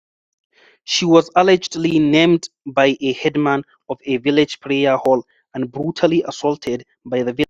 She was allegedly named by a headman of a village prayer hall and brutally assaulted by the villagers.